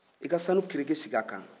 i ka sanu kirike sigi a kan